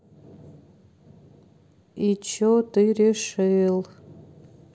и че ты решил